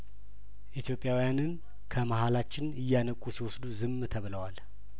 ኢትዮጵያውያንን ከመሀላችን እያነቁ ሲወስዱ ዝም ተብለዋል